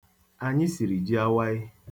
Anyị siri ji awaị.